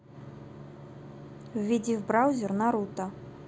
введи в браузере наруто